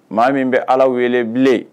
Maa min bɛ ala wele bilen